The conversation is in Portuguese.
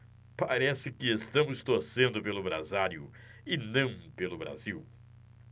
parece que estamos torcendo pelo brasário e não pelo brasil